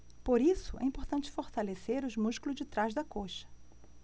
por isso é importante fortalecer os músculos de trás da coxa